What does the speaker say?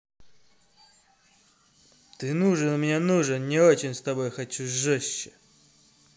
ты нужен мне нужен не очень с тобой хочу жестче